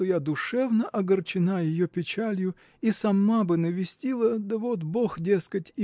что я душевно огорчена ее печалью и сама бы навестила да вот бог дескать